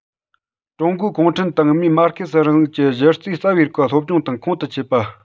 ཀྲུང གོའི གུང ཁྲན ཏང མིས མར ཁེ སིའི རིང ལུགས ཀྱི གཞི རྩའི རྩ བའི རིགས པ སློབ སྦྱོང དང ཁོང དུ ཆུད པ